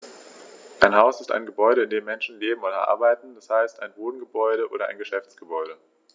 Ein Haus ist ein Gebäude, in dem Menschen leben oder arbeiten, d. h. ein Wohngebäude oder Geschäftsgebäude.